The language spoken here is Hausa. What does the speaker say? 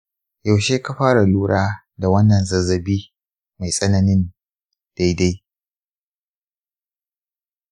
yaushe ka fara lura da wannan zazzabi mai tsanani daidai?